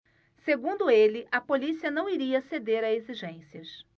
segundo ele a polícia não iria ceder a exigências